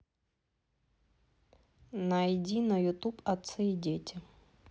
найди на ютуб отцы и дети